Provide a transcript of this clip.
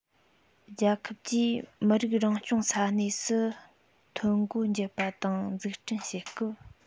རྒྱལ ཁབ ཀྱིས མི རིགས རང སྐྱོང ས གནས སུ ཐོན སྒོ འབྱེད པ དང འཛུགས སྐྲུན བྱེད སྐབས